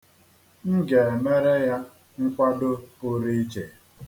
M ga-emere ya nkwado pụrụ iche.